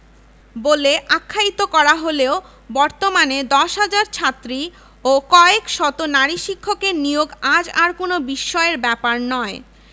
বলে আখ্যায়িত করা হলেও বর্তমানে ১০ হাজার ছাত্রী ও কয়েক শত নারী শিক্ষকের নিয়োগ আজ আর কোনো বিস্ময়ের ব্যাপার নয়